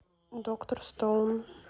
доктор стоун